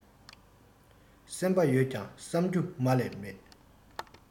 སེམས པ ཡོད ཀྱང བསམ རྒྱུ མ ལས མེད